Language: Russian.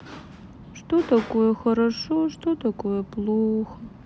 что такое хорошо что такое плохо